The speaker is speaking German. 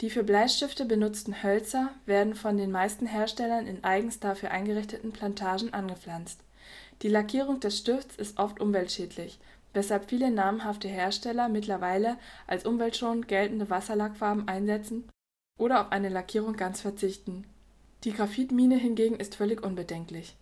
für Bleistifte benutzten Hölzer werden von den meisten Herstellern in eigens dafür eingerichteten Plantagen angepflanzt. Die Lackierung des Stifts ist oft umweltschädlich, weshalb viele namhafte Hersteller mittlerweile als umweltschonend geltende Wasserlackfarben einsetzen oder auf eine Lackierung ganz verzichten. Die Graphitmine hingegen ist völlig unbedenklich